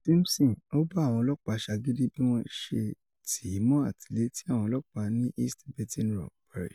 Simpson ‘ò bá àwọn ọlọ́pàá ṣagídí bí wọ́n ṣe tì í mọ́ àtìmọ́lẹ́ ti àwọn ọlọ́pàá ní East Baton Rouge Parish.